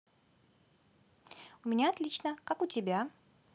у меня отлично как у тебя